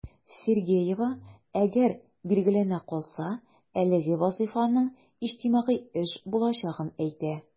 Сергеева, әгәр билгеләнә калса, әлеге вазыйфаның иҗтимагый эш булачагын әйтә.